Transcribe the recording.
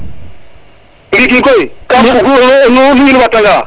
ndiki koy kam bug u nu in wata nga